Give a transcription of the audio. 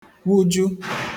wuju